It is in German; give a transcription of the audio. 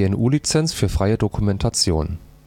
GNU Lizenz für freie Dokumentation